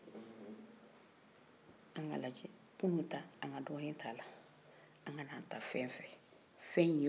an ka lajɛ kunu ta an ka dɔnin t'ala an ka n'an ta fɛn fɛ fɛn in ye fuu de ye fɛn in bɛ ban